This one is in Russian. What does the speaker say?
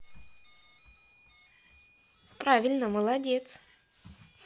правильно молодец